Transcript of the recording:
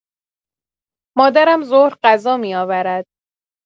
مادرم ظهر غذا می‌آورد؛